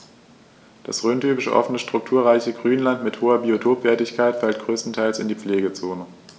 Das rhöntypische offene, strukturreiche Grünland mit hoher Biotopwertigkeit fällt größtenteils in die Pflegezone.